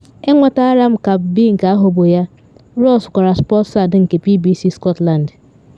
Enwetara m cap B nke ahụ bụ ya,” Ross gwara Sportsound nke BBC Scotland.